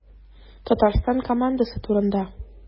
Татарстан командасы турында.